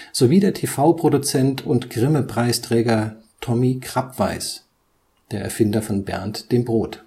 sowie der TV-Produzent und Grimme-Preis-Träger Tommy Krappweis (der Erfinder von Bernd, dem Brot